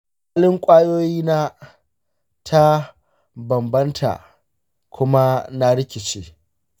kwalin ƙwayoyina ta bambanta kuma na rikice.